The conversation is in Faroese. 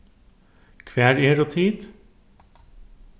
hvar eru tit